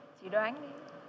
chị đoán đi